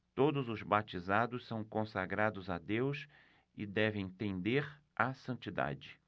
todos os batizados são consagrados a deus e devem tender à santidade